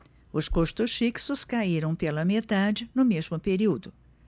os custos fixos caíram pela metade no mesmo período